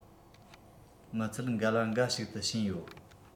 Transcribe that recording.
མི ཚད འགལ བ འགའ ཞིག ཏུ ཕྱིན ཡོད